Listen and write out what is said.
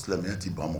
Silamɛ mɛ ye t'i ba ma